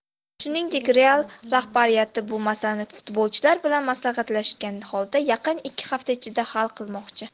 shuningdek real rahbariyati bu masalani futbolchilar bilan maslahatlashgan holda yaqin ikki hafta ichida hal qilmoqchi